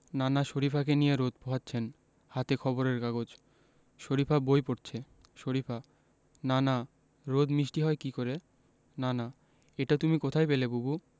নানা শরিফাকে নিয়ে রোদ পোহাচ্ছেন হাতে খবরের কাগজ শরিফা বই পড়ছে শরিফা নানা রোদ মিষ্টি হয় কী করে নানা এটা তুমি কোথায় পেলে বুবু